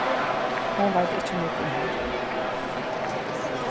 hon veit ikki nógv um hann